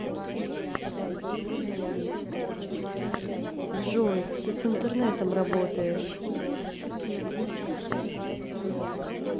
джой ты с интернетом работаешь